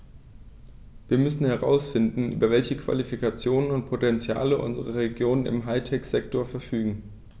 Wir müssen herausfinden, über welche Qualifikationen und Potentiale unsere Regionen im High-Tech-Sektor verfügen.